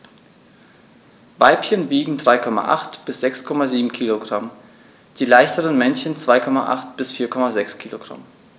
Weibchen wiegen 3,8 bis 6,7 kg, die leichteren Männchen 2,8 bis 4,6 kg.